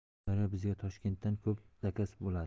daryo bizga toshkentdan ko'p zakaz bo'ladi